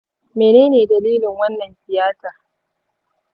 menene dalilin wannan tiyatar?